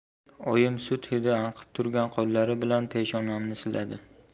oyim sut hidi anqib turgan qo'llari bilan peshonamni siladi